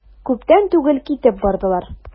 Күптән түгел китеп бардылар.